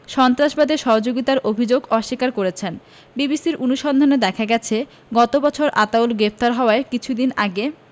সন্ত্রাসবাদে সহযোগিতার অভিযোগ অস্বীকার করছেন বিবিসির অনুসন্ধানে দেখা গেছে গত বছর আতাউল গেপ্তার হওয়ার কিছুদিন আগে